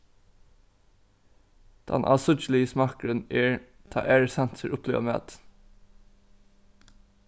tann ásíggiligi smakkurin er tá aðrir sansir uppliva matin